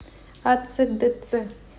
ацдц